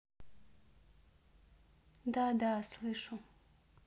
да да слышу